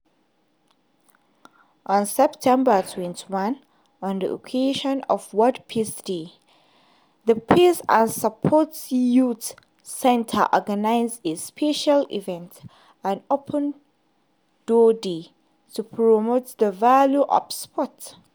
On September 21, on the occasion of World Peace Day, the Peace and Sport youth centers organized a special event, an Open Door day, to promote the values of sport.